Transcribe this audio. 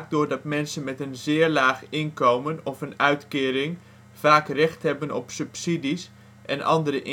doordat mensen met een zeer laag inkomen of een uitkering vaak recht hebben op subsidies en andere